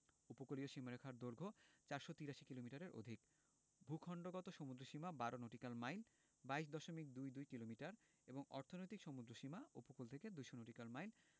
উপকূলীয় সীমারেখার দৈর্ঘ্য ৪৮৩ কিলোমিটারের অধিক ভূখন্ডগত সমুদ্রসীমা ১২ নটিক্যাল মাইল ২২ দশমিক দুই দুই কিলোমিটার এবং অর্থনৈতিক সমুদ্রসীমা উপকূল থেকে ২০০ নটিক্যাল মাইল